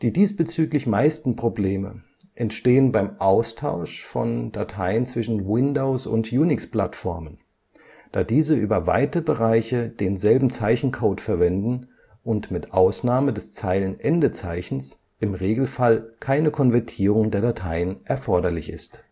diesbezüglich meisten Probleme entstehen beim Austausch von Dateien zwischen Windows - und Unix-Plattformen, da diese über weite Bereiche denselben Zeichencode verwenden und mit Ausnahme des Zeilenende-Zeichens im Regelfall keine Konvertierung der Dateien erforderlich ist